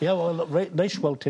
Ia wel rei- neis weld ti...